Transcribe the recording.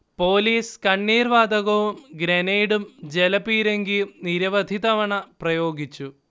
police കണ്ണീർ വാതകവും ഗ്രനേഡും ജലപീരങ്കിയും നിരവധി തവണ പ്രയോഗിച്ചു